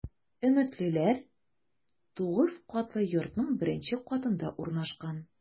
“өметлеләр” 9 катлы йортның беренче катында урнашкан.